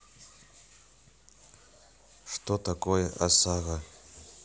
что такое осаго